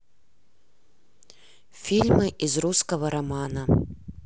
фильмы из русского романа